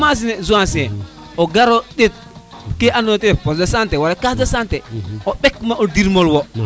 imaginer i Zancier o gar jeg ke ando nate o jeg poste de sante case de sante xaƴna o dermole wo